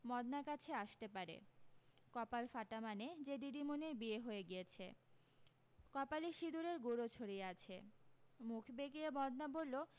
মদনার কাছে আসতে পারে কপাল ফাটা মানে যে দিদিমণির বিয়ে হয়ে গিয়েছে কপালে সিঁদুরের গুঁড়ো ছড়িয়ে আছে মুখ বেঁকিয়ে মদনা বললো